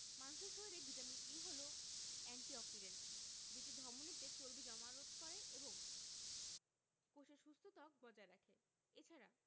মানুষের শরীরে vitamin E হলো এন্টি অক্সিডেন্ট যেটি ধমনিতে চর্বি জমা রোধ করে এবং কোষের সুস্থ ত্বক বজায় রাখে এ ছাড়া